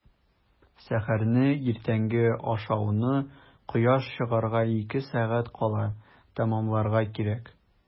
Сәхәрне – иртәнге ашауны кояш чыгарга ике сәгать кала тәмамларга кирәк.